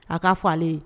A ka fɔ ale